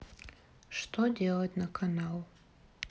что делать на канал